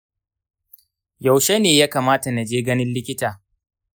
yaushe ne ya kamata na je ganin likita?